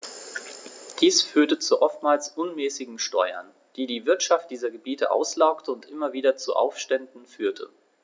Dies führte zu oftmals unmäßigen Steuern, die die Wirtschaft dieser Gebiete auslaugte und immer wieder zu Aufständen führte.